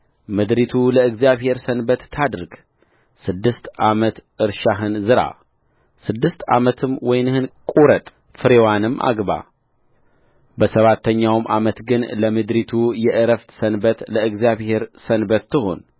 ምድሪቱ ለእግዚአብሔር ሰንበት ታድርግስድስት ዓመት እርሻህን ዝራ ስድስት ዓመትም ወይንህን ቍረጥ ፍሬዋንም አግባበሰባተኛው ዓመት ግን ለምድሪቱ የዕረፍት ሰንበት ለእግዚአብሔር ሰንበት ትሁን